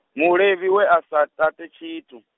mulevhi we a sa tate tshithu.